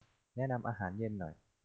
แนะนำอาหารเย็นหน่อย